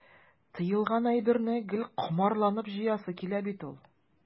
Тыелган әйберне гел комарланып җыясы килә бит ул.